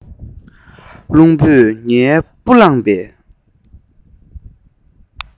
རླུང བུས ངའི བ སྤུ བསླངས པས